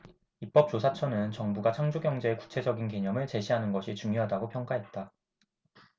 입법조사처는 정부가 창조경제의 구체적인 개념을 제시하는 것이 중요하다고 평가했다